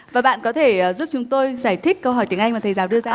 và bạn có thể giúp chúng tôi giải thích câu hỏi tiếng anh mà thầy giáo đưa ra